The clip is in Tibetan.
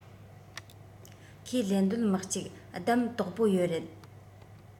ཁས ལེན འདོད མི གཅིག བདམས དོག པོ ཡོད རེད